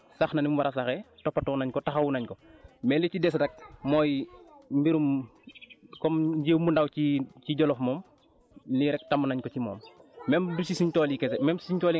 mais boo ci dem wax dëgg di nga xam ne bii tool sax na ni mu war a saxee toppatoo nañ ko taxawu nañ ko mais li ci des rek mooy mbirum comme njiw mu ndaw ci ci Djolof moom lii rek tàmm nañ ko ci moom